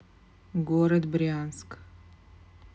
город брянск